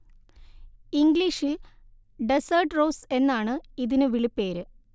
ഇംഗ്ലീഷിൽ 'desert rose' എന്നാണ് ഇതിനു വിളിപ്പേര്